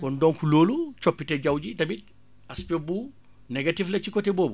kon donc loolu coppite jaww ji tamit aspect bu négatif la ci côté boobu